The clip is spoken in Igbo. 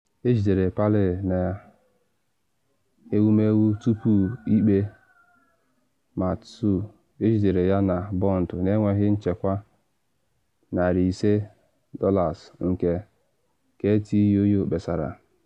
Ejidere Palin na Ewumewu Tupu-Ikpe Mat-Su, ejidere ya na bọnd na enweghị nchekwa $500, nke kTUU kpesara.